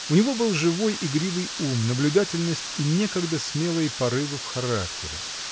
У него был живой, игривый ум, наблюдательность и некогда смелые порывы в характере.